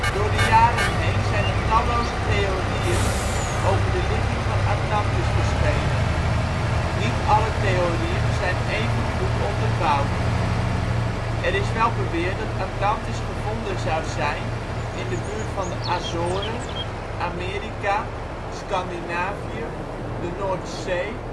Door de jaren heen zijn er talloze theorieën over de ligging van Atlantis verschenen. Niet alle theorieën zijn even goed onderbouwd. Er is wel beweerd dat Atlantis gevonden zou zijn in de buurt van de Azoren, Amerika, Scandinavië, de Noordzee